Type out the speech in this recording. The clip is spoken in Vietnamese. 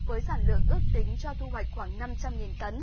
với sản lượng ước tính cho thu hoạch khoảng năm trăm nghìn tấn